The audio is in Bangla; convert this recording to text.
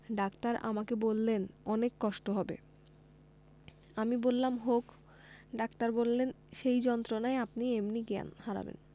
ডাক্তার বললেন অনেক কষ্ট হবে আমি বললাম হোক ডাক্তার বললেন সেই যন্ত্রণায় আপনি এমনি জ্ঞান হারাবেন